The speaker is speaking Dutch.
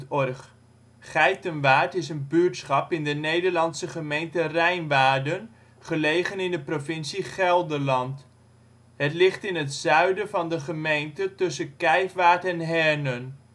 OL Geitenwaard Plaats in Nederland Situering Provincie Gelderland Gemeente Rijnwaarden Coördinaten 51° 53′ NB, 6° 4′ OL Portaal Nederland Beluister (info) Geitenwaard is een buurtschap in de Nederlandse gemeente Rijnwaarden, gelegen in de provincie Gelderland. Het ligt in het zuiden van de gemeente tussen Kijfwaard en Herwen